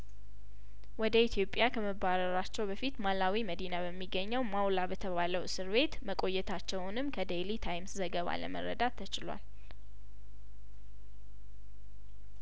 ወደ ኢትዮጵያከመባረራቸው በፊት ማላዊ መዲና በሚገኘው ማው ላ በተባለው እስር ቤት መቆየታቸውንም ከዴይሊ ታይምስ ዘገባ ለመረዳት ተችሏል